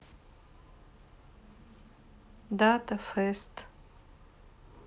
дата фест